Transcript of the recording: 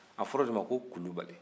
a fɔra o de ma ko kulubali